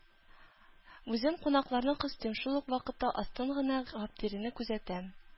Үзем кунакларны кыстыйм, шул ук вакытта астан гына Гаптерине күзәтәм.